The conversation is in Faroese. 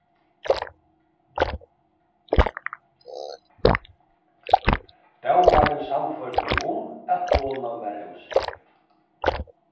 dómarin sannførdi meg um at konan var ósek